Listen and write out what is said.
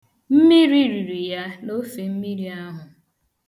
Mmiri riri ya n' ofemmiri ahụ.